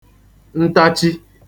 ntachi